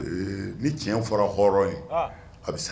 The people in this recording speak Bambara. Ee ni tiɲɛ fɔra hɔrɔn ye a bɛ sa